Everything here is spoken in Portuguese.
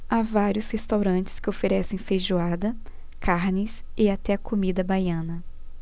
há vários restaurantes que oferecem feijoada carnes e até comida baiana